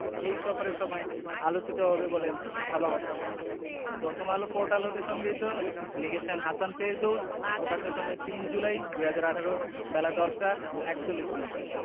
এই সফরের সময় আলোচিত হবে বলে ভাবা হচ্ছে প্রথমআলো পোর্টাল হতে সংগৃহীত লিখেছেন হাসান ফেরদৌস প্রকাশের সময় ৩ জুলাই ২০১৮ বেলা ১০টা ৪১মিনিট